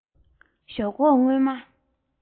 ཞོག ཁོག བརྔོས མ